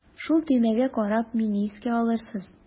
Шул төймәгә карап мине искә алырсыз.